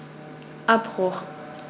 Abbruch.